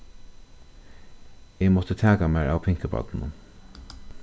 eg mátti taka mær av pinkubarninum